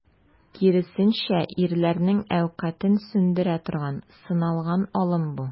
Киресенчә, ирләрнең әүкатен сүндерә торган, сыналган алым бу.